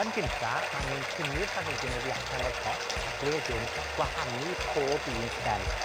Yn gynta, maa angen tynnu'r planhigyn oddi allan o'r pot, ac wedyn gwahanu pob un stem.